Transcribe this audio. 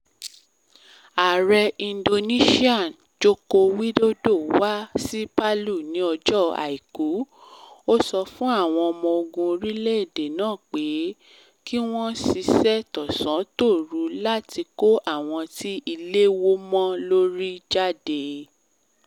Ààrẹ Indonesia, Joko Widodo, wá sí Palu ní ọjọ́ Àìkú. Ó sọ fún àwọn ọmọ-ogun orílẹ̀-èdè náà pé: “Kí wọ́n ṣiṣẹ́ tọ̀san-tòru láti kó àwọn tí ilé wó mọ́ lórí jáde.